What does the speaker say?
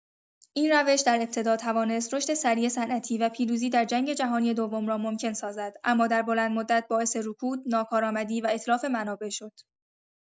این روش در ابتدا توانست رشد سریع صنعتی و پیروزی در جنگ جهانی دوم را ممکن سازد، اما در بلندمدت باعث رکود، ناکارآمدی و اتلاف منابع شد.